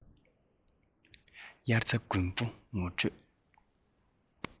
དབྱར རྩྭ དགུན འབུ ངོ སྤྲོད